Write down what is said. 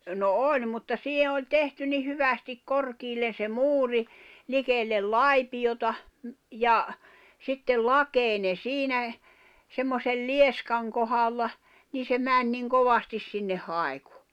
no oli mutta siihen oli tehty niin hyvästi korkealle se muuri likelle laipiota ja sitten lakeinen siinä semmoisen lieskan kohdalla niin se meni niin kovasti sinne haiku